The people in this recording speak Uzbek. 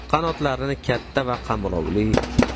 qanotlarini katta va qamrovli